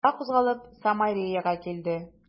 Юлга кузгалып, Самареяга килде.